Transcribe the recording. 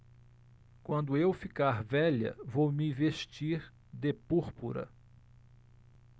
quando eu ficar velha vou me vestir de púrpura